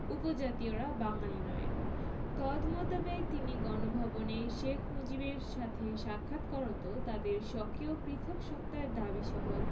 উপজাতীয়রা বাঙালি নয় তদমোতাবেক তিনি গণভবনে শেখ মুজিবের সাথে সাক্ষাৎ করত তাদের স্বকীয় পৃথক সত্তার দাবীসহ